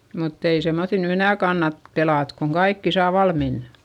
mutta ei semmoisilla nyt enää kannata pelata kun kaikki saa valmiina